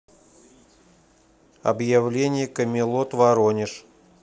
объявление камелот воронеж